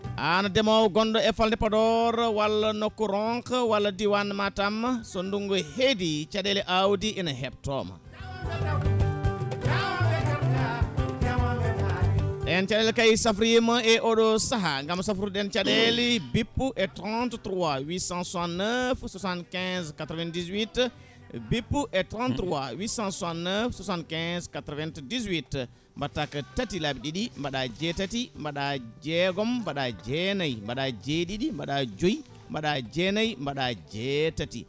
an deemowo gonɗo e falde Podor walla nokku ronka walla diwan Matam so ndugungu heedi caɗele awdi ene heptoma ɗen caɗele kayi safroyima e oɗo saaha gaam safrude ɗen caɗele bippu e 33 869 75 98 bippu e 33 869 75 98 mbatta ko tati laabi ɗiɗi mbaɗa jeetati mbaɗa jeegom mbaɗa jeenaayi mbaɗa jeeɗiɗi mbaɗa jooyi mbaɗa jeenaayi mbaɗa jeetati